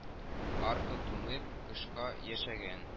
Арка туңып кышка яшәгән